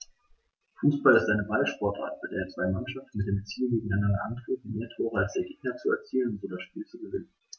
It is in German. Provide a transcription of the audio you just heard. Fußball ist eine Ballsportart, bei der zwei Mannschaften mit dem Ziel gegeneinander antreten, mehr Tore als der Gegner zu erzielen und so das Spiel zu gewinnen.